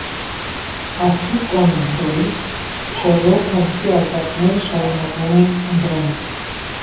Արթուր Կոնան Դոյլ «Շերլոք Հոլմսի արկածները շարունակվում են», ԱՆԴՐԱՆԻԿ։